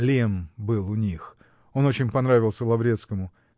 Лемм был у них; он очень понравился Лаврецкому.